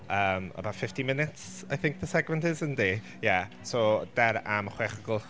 Yym about fifty minutes I think the segment is yndi? Ie, so dere am chwech o'r gloch.